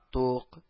Туук